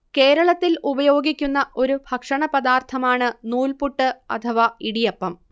കേരളത്തിൽ ഉപയോഗിക്കുന്ന ഒരു ഭക്ഷണപദാർത്ഥമാണ് നൂൽപുട്ട് അഥവാ ഇടിയപ്പം